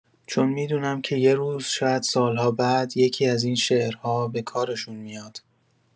چون می‌دونم که یه روز، شاید سال‌ها بعد، یکی‌از این شعرها به کارشون میاد.